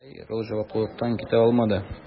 Хәер, ул җаваплылыктан китә алмады: